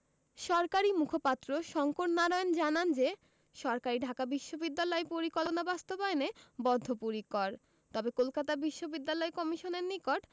সরকারি মুখপাত্র শঙ্কর নারায়ণ জানান যে সরকার ঢাকা বিশ্ববিদ্যালয় পরিকল্পনা বাস্তবায়নে বদ্ধপরিকর তবে কলকাতা বিশ্ববিদ্যালয় কমিশনের নিকট